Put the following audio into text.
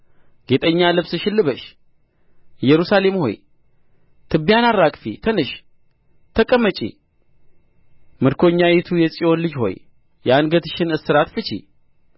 ጌጠኛ ልብስሽን ልበሺ ኢየሩሳሌም ሆይ ትቢያን አራግፊ ተነሺ ተቀመጪ ምርኮኛይቱ የጽዮን ልጅ ሆይ የአንገትሽን እስራት ፍቺ